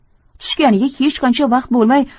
tushganiga hech qancha vaqt bo'lmay